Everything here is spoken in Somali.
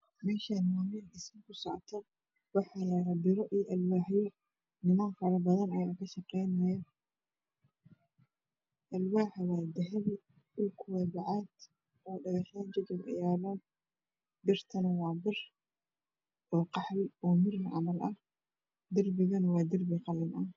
Meshan waa mel dhismo ka socoto waxaa yala alwaxyo iyo biro waxaa ka shaqeynaya niman fara badan oo funday yaal ah alwaxo waa dahabi dhulku waa bacad iyo biro qaxwi ah